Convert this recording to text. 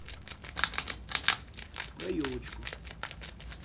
про елочку